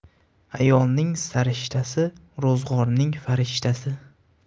ayolning sarishtasi ro'zg'orning farishtasi